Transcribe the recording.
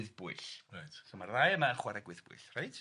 So mae'r ddau yma yn chwara gwyddbwyll, reit?